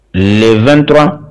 le2t